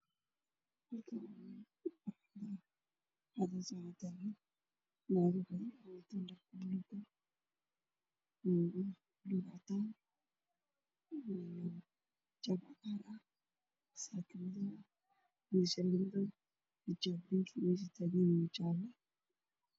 Gashaan waxaa fadhiya gabdho fara badan waxa ay ku labisan yihiin calanka soomaaliya kuraas buluug ayey ku fadhiyaan